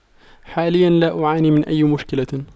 حاليا لا أعاني من أي مشكلة